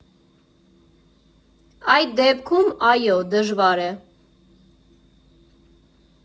Այդ դեպքում, այո՛, դժվար է։